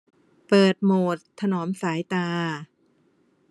เปิดโหมดถนอมสายตา